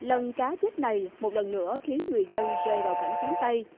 lần cá chết này một lần nữa khiến người dân rơi vào cảnh trắng tay